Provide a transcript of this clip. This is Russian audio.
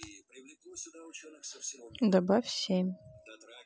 добавь семь